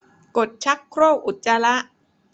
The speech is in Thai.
กดชักโครกอุจจาระ